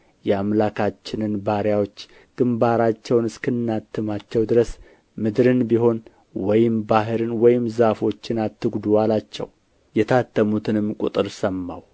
የአምላካችንን ባሪያዎች ግምባራቸውን እስክናትማቸው ድረስ ምድርን ቢሆን ወይም ባሕርን ወይም ዛፎችን አትጕዱ አላቸው የታተሙትንም ቍጥር ሰማሁ